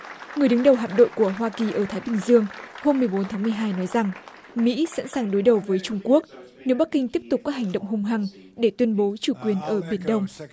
người đứng đầu hạm đội của hoa kỳ ở thái bình dương hôm mười bốn tháng mười hai nói rằng mỹ sẵn sàng đối đầu với trung quốc nếu bắc kinh tiếp tục có hành động hung hăng để tuyên bố chủ quyền ở biển đông